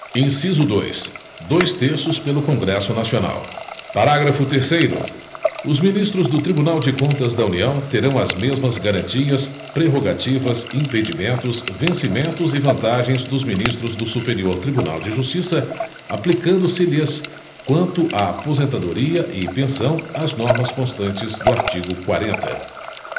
inciso dois dois terços pelo congresso nacional parágrafo terceiro os ministros do tribunal de contas da união terão as mesmas garantias prerrogativas impedimentos vencimentos e vantagens dos ministros do superior tribunal de justiça aplicando se lhes quanto à aposentadoria e pensão as normas constantes do artigo quarenta